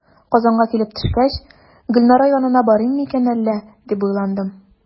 Казанга килеп төшкәч, "Гөлнара янына барыйм микән әллә?", дип уйландым.